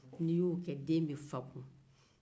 n'i y'o kɛ den be faku